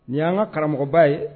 Nin y an ka karamɔgɔba ye